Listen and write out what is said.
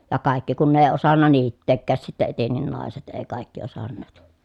ja kaikki kun ne ei osannut niittääkään sitten etenkin naiset ei kaikki osanneet